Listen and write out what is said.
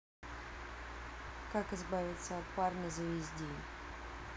как избавиться от парня за весь день